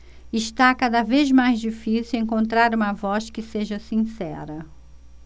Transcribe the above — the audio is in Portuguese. está cada vez mais difícil encontrar uma voz que seja sincera